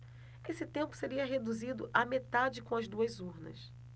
esse tempo seria reduzido à metade com as duas urnas